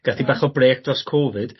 Gath 'i bach o brêc dros Cofid.